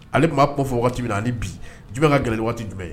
Ale maa fɔ min na bi jumɛn ka gɛlɛn waati jumɛn ye